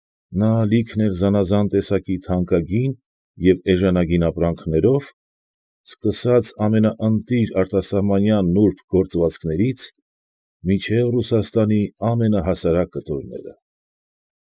Նա լիքն էր զանաղան տեսակի թանկագին և էժանագին ապրանքներով, սկսած ամենաընտիր արտասահմանյան նուրբ գործվածներից, մինչև Ռուսաստանի ամենահասարակ կտորները։